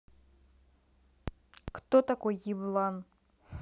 кто такой еблан